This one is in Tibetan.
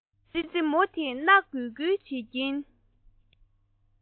ཙི ཙི མོ དེས སྣ འགུལ འགུལ བྱེད ཀྱིན